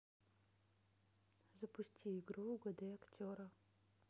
запусти игру угадай актера